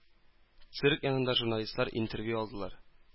Цирк янында журналистлар интервью алдылар.